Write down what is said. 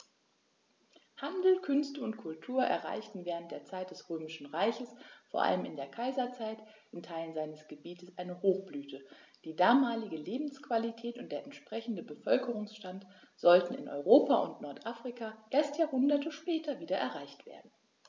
Handel, Künste und Kultur erreichten während der Zeit des Römischen Reiches, vor allem in der Kaiserzeit, in Teilen seines Gebietes eine Hochblüte, die damalige Lebensqualität und der entsprechende Bevölkerungsstand sollten in Europa und Nordafrika erst Jahrhunderte später wieder erreicht werden.